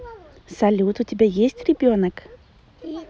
салют у тебя есть ребенок